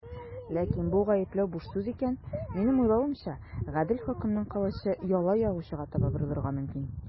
Ләкин бу гаепләү буш сүз икән, минем уйлавымча, гадел хөкемнең кылычы яла ягучыга таба борылырга мөмкин.